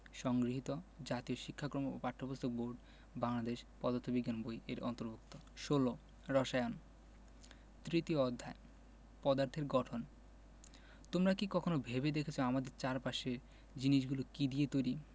সংগৃহীত জাতীয় শিক্ষাক্রম ও পাঠ্যপুস্তক বোর্ড বাংলাদেশ পদার্থ বিজ্ঞান বই এর অন্তর্ভুক্ত১৬ রসায়ন তৃতীয় অধ্যায় পদার্থের গঠন তোমরা কি কখনো ভেবে দেখেছ আমাদের চারপাশের জিনিসগুলো কী দিয়ে তৈরি